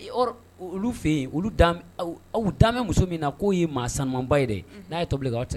Olu fɛ yen aw ta muso min na k'o ye maa sanba ye n'a ye tobili ka aw tɛ